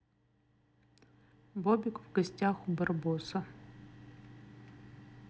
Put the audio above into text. бобик в гостях у барбоса